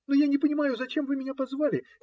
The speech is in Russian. - Но я не понимаю, зачем вы меня позвали.